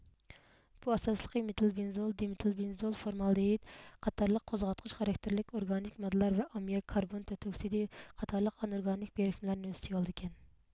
بۇ ئاساسلىقى مېتىل بېنزول دېمىتىل بېنزول فورمالدېگىد قاتارلىق قوزغاتقۇچ خاراكتېرلىك ئورگانىك ماددىلار ۋە ئاممىياك كاربون تۆت ئوكسىدى قاتارلىق ئانئورگانىك بىرىكمىلەرنى ئۆز ئىچىگە ئالىدىكەن